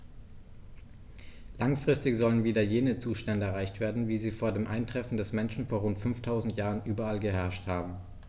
Langfristig sollen wieder jene Zustände erreicht werden, wie sie vor dem Eintreffen des Menschen vor rund 5000 Jahren überall geherrscht haben.